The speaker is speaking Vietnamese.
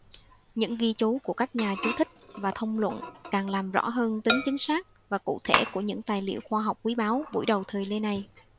những ghi chú của các nhà chú thích và thông luận càng làm rõ hơn tính chính xác và cụ thể của những tài liệu khoa học quý báu buổi đầu lê này